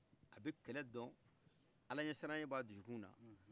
abi kɛlɛ dɔn ala ɲɛ siranɲɛ ba dusukunna